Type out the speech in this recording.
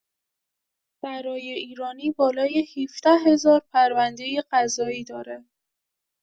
سرای ایرانی بالای ۱۷ هزار پرونده قضایی داره!